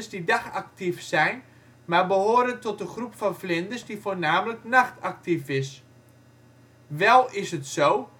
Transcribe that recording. die dagactief zijn maar behoren tot een groep van vlinders die voornamelijk nachtactief is. Wel is het zo